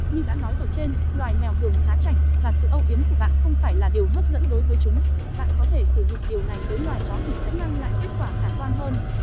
như đã nói ở trên loài mèo thường khá chảnh và sự âu yếm của bạn không phải là điều hấp dẫn đối với chúng bạn có thể sử dụng điều này với loài chó thì sẽ mang lại kết quả khả quan hơn